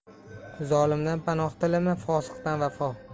zolimdan panoh tilama fosiqdan vafo